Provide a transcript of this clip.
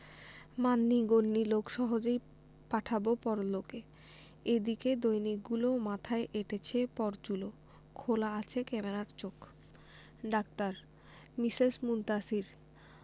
মান্যিগন্যি লোক সহজেই পাঠাবো পরলোকে এদিকে দৈনিকগুলো মাথায় এঁটেছে পরচুলো খোলা আছে ক্যামেরার চোখ ডাক্তার মিসেস মুনতাসীর